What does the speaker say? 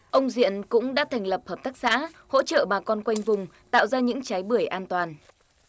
ông diện cũng đã thành lập hợp tác xã hỗ trợ bà con quanh vùng tạo ra những trái bưởi an toàn